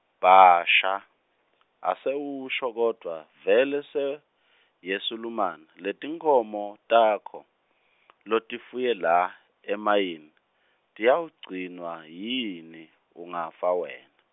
Bhasha, Asewusho kodvwa, vele se, yeSulumane, letinkhomo, takho , lotifuye la, emayini, tiyawugcinwa yini, ungafa wena?